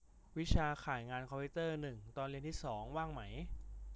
วิชาข่ายงานคอมพิวเตอร์หนึ่งตอนเรียนที่สองว่างไหม